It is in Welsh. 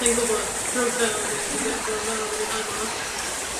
sai'n gwybod rhyfel neu rwbeth fel 'na ma' nw'n anodd.